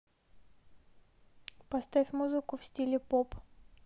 поставь музыку в стиле поп